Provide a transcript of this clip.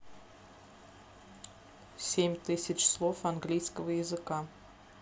семь тысяч слов английского языка